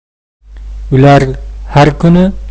ular har kuni